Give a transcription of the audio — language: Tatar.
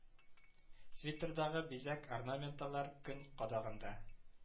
Свитерлардагы биз үк-орнаменталар көн кадагында